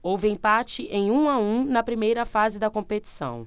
houve empate em um a um na primeira fase da competição